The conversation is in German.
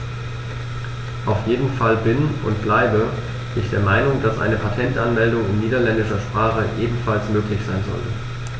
Auf jeden Fall bin - und bleibe - ich der Meinung, dass eine Patentanmeldung in niederländischer Sprache ebenfalls möglich sein sollte.